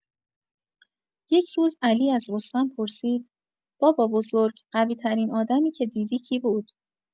یک روز، علی از رستم پرسید: «بابابزرگ، قوی‌ترین آدمی که دیدی کی بود؟»